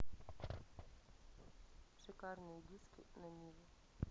шикарные диски на ниву